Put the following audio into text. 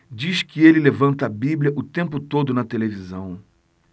diz que ele levanta a bíblia o tempo todo na televisão